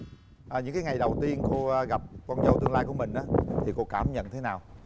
à những cái ngày đầu tiên cô gặp con dâu tương lai của mình á thì cô cảm nhận thế nào